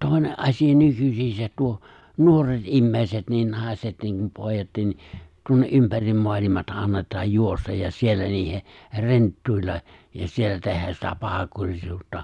toinen asia nykyisin tuo nuoret ihmiset niin naiset niin kuin pojatkin niin tuonne ympäri maailmaa annetaan juosta ja siellä niiden renttuilla ja siellä tehdä sitä pahankurisuutta